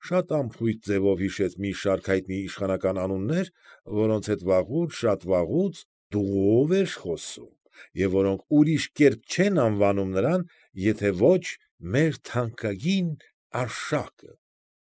Շատ անփույթ ձևով հիշեց մի շարք հայտնի իշխանական անուններ, որոնց հետ վաղուց, շատ վաղուց «դու»֊ով է խոսում և որոնք ուրիշ կերպ չեն անվանում նրան, եթե ոչ «մեր թանկագին Արշակը»։